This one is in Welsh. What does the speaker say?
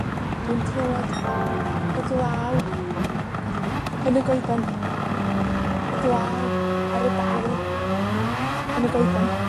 Dwi'n clywed y glaw. Yn y goeden. Y glaw ar y dail. Yn y goedan.